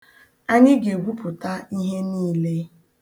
Anyị ga-egwupụta ihe niile.